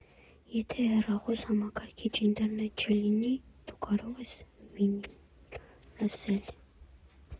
Եթե հեռախոս, համակարգիչ, ինտերնետ չլինի, դու կարող ես վինիլ լսել։